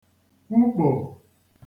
kwukpò